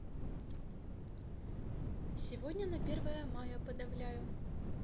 сегодня на первое мая подавляю